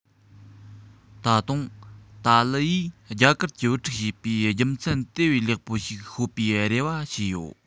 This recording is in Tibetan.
ད དུང ཏཱ ལའི ཡིས རྒྱ གར གྱི བུ ཕྲུག བྱེད པའི རྒྱུ མཚན དེ བས ལེགས པོ ཞིག ཤོད པའི རེ བ བྱས ཡོད